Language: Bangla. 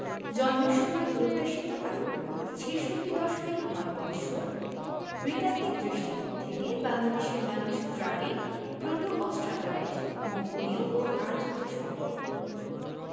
জন্মের সময় প্রত্যাশিত আয়ু ৬৬দশমিক ৯ বৎসর নৃতাত্ত্বিক দৃষ্টিকোণ থেকে বাংলাদেশের মানুষ দ্রাবিড় প্রোটো অস্ট্রালয়েড মঙ্গোলীয় এবং আর্যদের সংকর